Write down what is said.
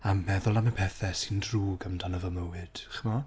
a meddwl am y pethe sy'n drwg amdano fy mywyd, chimod?